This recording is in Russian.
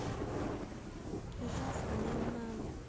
жестоко не надо